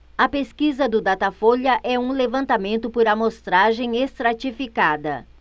a pesquisa do datafolha é um levantamento por amostragem estratificada